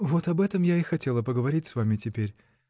— Вот об этом я и хотела поговорить с вами теперь.